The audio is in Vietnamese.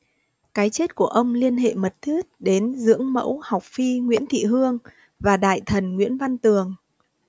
cái chết của ông liên hệ mật thiết đến dưỡng mẫu học phi nguyễn thị hương và đại thần nguyễn văn tường